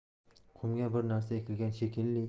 qumga bir narsa ekilgan shekilli